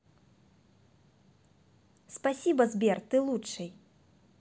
спасибо сбер ты лучший